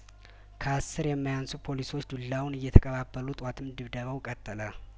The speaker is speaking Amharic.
ከአስር የማያንሱ ፖሊሶች ዱላውን እየተቀባበሉ ጧትም ድብደባው ቀጠለ